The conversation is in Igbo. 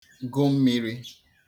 gụ mmīrī